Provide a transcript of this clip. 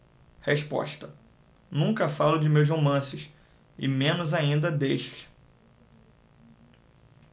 resposta nunca falo de meus romances e menos ainda deste